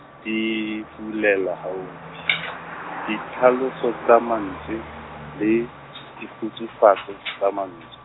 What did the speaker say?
di fulela haufi , di hlaloso tsa mantswe, le, dikgutsofatso tsa mans-.